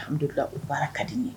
Hamdu o baara ka di ye